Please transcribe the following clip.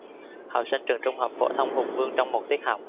học sinh trường trung học phổ thông hùng vương trong một tiết học